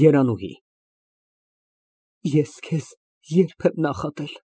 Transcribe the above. ԵՐԱՆՈՒՀԻ ֊ Ես քեզ ե՞րբ եմ նախատել։